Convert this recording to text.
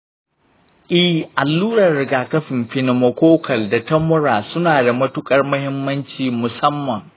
eh, allurar rigakafin pneumococcal da ta mura suna da matuƙar muhimmanci musamman.